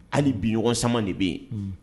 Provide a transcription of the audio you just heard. Hali biɲɔgɔn caman de bɛ yen